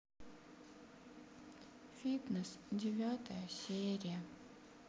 фитнес девятая серия